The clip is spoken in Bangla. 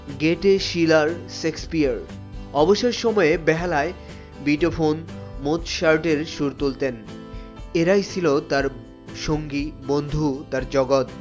গেটে শিলার শেক্সপীয়ার অবসর সময়ে বেহালায় বিটোফোন মোৎসার্টের সুর তুলতেন এরাই ছিল তার সঙ্গী বন্ধু তার জগত